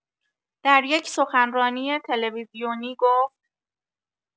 در یک سخنرانی تلویزیونی گفت